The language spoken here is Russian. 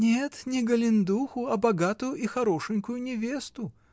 — Нет, не Голендуху, а богатую и хорошенькую невесту!